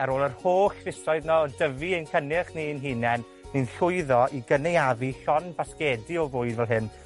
Ar ôl yr holl fisoedd yno, o dyfu ein cynnyrch ni ein hunen, ni'n llwyddo i gynaeafu llond basgedi o fwyd fel hyn